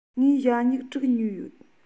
ངས ཞྭ སྨྱུག དྲུག ཉོས ཡོད